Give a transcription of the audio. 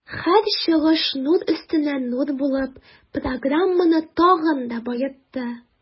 Һәр чыгыш нур өстенә нур булып, программаны тагын да баетты.